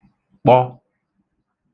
kpọ